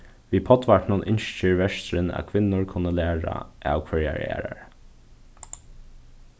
við poddvarpinum ynskir verturin at kvinnur kunnu læra av hvørjari aðrari